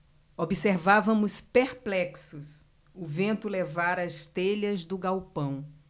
observávamos perplexos o vento levar as telhas do galpão